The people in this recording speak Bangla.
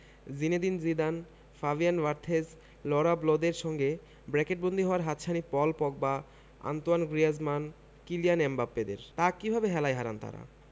জিনেদিন জিদান ফাবিয়ান বার্থেজ লঁরা ব্লদের সঙ্গে ব্র্যাকেটবন্দি হওয়ার হাতছানি Paul Pogba Antoine Griezmann Kylian এমবাপ্পেদের তা কিভাবে হেলায় হারান তাঁরা